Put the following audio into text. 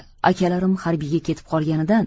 akalarim harbiyga ketib qolganidan